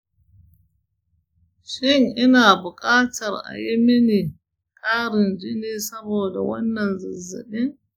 shin ina buƙatar a yi mini ƙarin jini saboda wannan zazzabi?